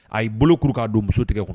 A y'i bolokuru k'a don muso tigɛ kɔnɔ